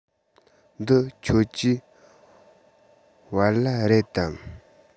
འདི ཁྱོད ཀྱི བལ ལྭ རེད དམ